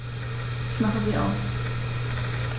Ich mache sie aus.